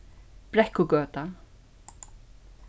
brekkugøta